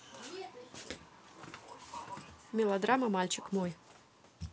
мелодрама мальчик мой